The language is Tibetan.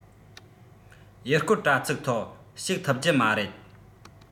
ཡུལ སྐོར དྲ ཚིགས ཐོག ཞུགས ཐུབ རྒྱུ མ རེད